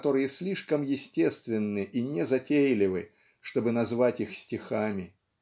которые слишком естественны и незатейливы чтобы назвать их стихами